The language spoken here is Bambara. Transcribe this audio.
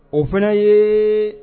O fana ye